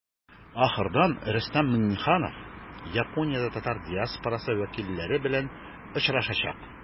Ахырдан Рөстәм Миңнеханов Япониядә татар диаспорасы вәкилләре белән очрашачак.